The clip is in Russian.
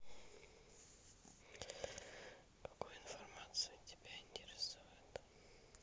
какую информацию тебя интересует